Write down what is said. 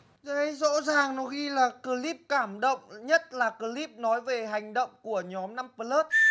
đây rõ ràng nó ghi là cờ líp cảm động nhất là cờ líp nói về hành động của nhóm năm pờ lớt